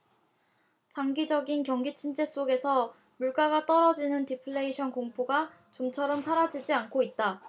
장기적인 경기침체 속에서 물가가 떨어지는 디플레이션 공포가 좀처럼 사라지지 않고 있다